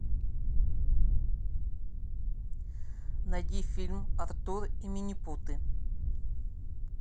найди фильм артур и минипуты